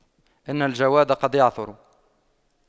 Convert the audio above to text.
إن الجواد قد يعثر